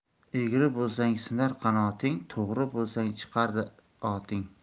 egri bo'lsang sinar qanoting to'g'ri bo'lsang chiqadi oting